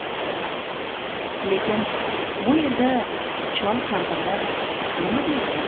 lekin bu yerda chol kampirlar nima derkin